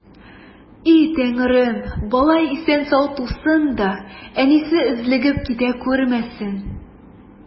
И Тәңрем, бала исән-сау тусын да, әнисе өзлегеп китә күрмәсен!